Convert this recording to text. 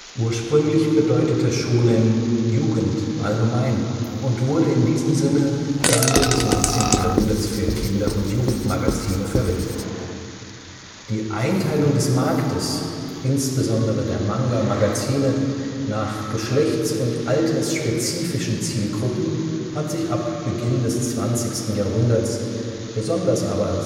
Ursprünglich bedeutete Shōnen „ Jugend “allgemein und wurde in diesem Sinne Ende des 19. Jahrhunderts für Kinder - und Jugendmagazine verwendet. Die Einteilung des Marktes, insbesondere der Manga-Magazine, nach geschlechts - und altersspezifischen Zielgruppen hat sich ab Beginn des 20. Jahrhunderts, besonders aber